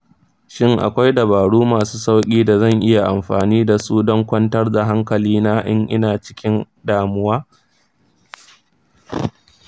shin akwai dabaru masu sauƙi da zan iya amfani da su don kwantar da hankalina in ina cikin damuwa?